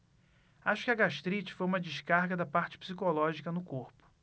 acho que a gastrite foi uma descarga da parte psicológica no corpo